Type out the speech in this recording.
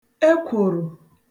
ekwòrò